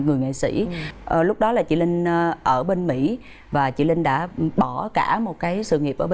người nghệ sĩ ờ lúc đó là chị linh ở bên mĩ và chị linh đã bỏ cả một cái sự nghiệp ở